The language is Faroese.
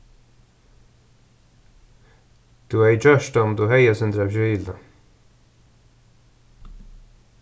tú hevði gjørt tað um tú hevði eitt sindur av skili